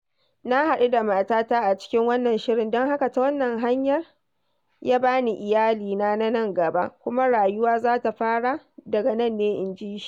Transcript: Na haɗu da matata a cikin wannan shirin, don haka ta wannan hanyar ya ba ni iyalina na nan gaba, kuma rayuwa za ta fara daga nan ne,' inji shi.